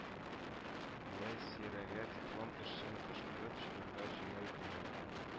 Ләйсирәгә диплом эшен башкарып чыгарга җиңел булмаган